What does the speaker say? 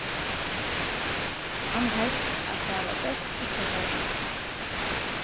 hann helt at tað var best ikki at fara út